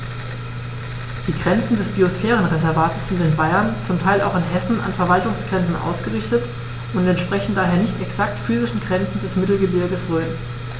Die Grenzen des Biosphärenreservates sind in Bayern, zum Teil auch in Hessen, an Verwaltungsgrenzen ausgerichtet und entsprechen daher nicht exakten physischen Grenzen des Mittelgebirges Rhön.